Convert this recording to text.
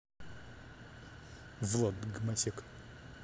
влад гомосек